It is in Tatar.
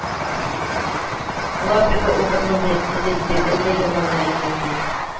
Болар теге убырлы Зәбидәдән дә яманнар икән, ди